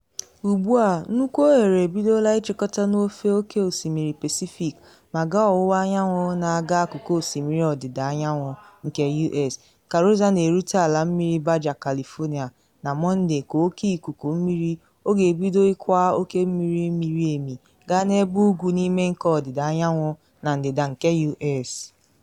Ugbu a, nnukwu oghere ebidola ịchịkọta n’ofe Oke Osimiri Pacific ma gaa ọwụwa anyanwụ na-aga Akụkụ Osimiri Ọdịda Anyanwụ nke U.S. Ka Rosa na erute ala mmiri Baja California na Mọnde ka oke ikuku mmiri, ọ ga-ebido ịkwa oke mmiri miri emi gaa n’ebe ugwu n’ime nke ọdịda anyanwụ na ndịda nke U.S.